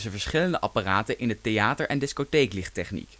verschillende apparaten in de theater - en discotheeklichttechniek